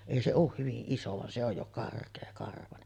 ei se ole hyvin iso vaan se on jo karkeakarvainen